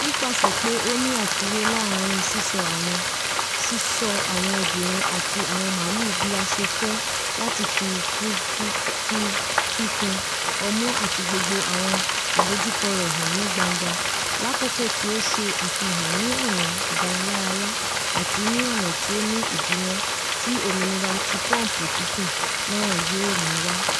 Nipasẹ pe o ni afiwe laarin sisọ awọn obinrin ati awọn maalu bi a ṣe fẹ lati fi fifun ọmu ati gbogbo awọn adojukọ rẹ han ni gbangba, lakoko ti o ṣe afihan ni ọna idanilaraya ati ọna ti o ni idiwọn ti ominira ti pọmpu tuntun naa yoo mu wa.